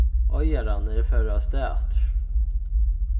oyðararnir fóru avstað aftur